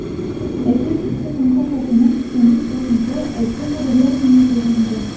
Әйтик, Иске Камка халкының 95 проценты “Әлки хәбәрләре”нә язылган инде.